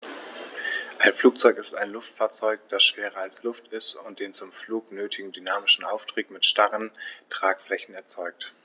Ein Flugzeug ist ein Luftfahrzeug, das schwerer als Luft ist und den zum Flug nötigen dynamischen Auftrieb mit starren Tragflächen erzeugt.